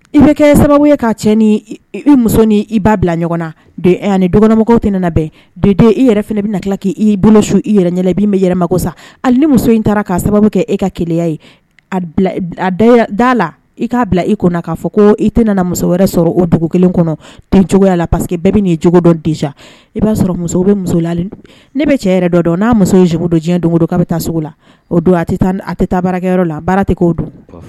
I bɛ kɛ sababu ye ka cɛ ni muso ni i'a bila ɲɔgɔn na ni dɔgɔnkɔnɔmɔgɔ tɛna bɛnden i yɛrɛ bɛ na tila k'i i bolo su i yɛrɛ b' bɛ yɛrɛ mako sa hali ni muso in taara ka sababu kɛ e ka keya ye da la i k'a bila i kɔnɔ'a fɔ ko i tɛna muso wɛrɛ sɔrɔ o dugu kelen kɔnɔ cogoya la paseke bɛɛ bɛ nin cogo dɔ d i b'a sɔrɔ bɛ muso ne bɛ cɛ dɔ dɔn n'a muso in jdo diɲɛ don don k' bɛ taa sugu la o don tɛ taa baarakɛyɔrɔ la tɛ o don